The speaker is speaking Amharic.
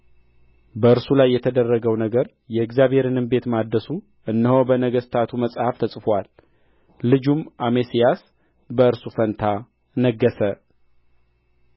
በእርሱ ላይ የተደረገው ነገር የእግዚአብሔርንም ቤት ማደሱ እነሆ በነገሥታቱ መጽሐፍ ተጽፎአል ልጁም አሜስያስ በእርሱ ፋንታ ነገሠ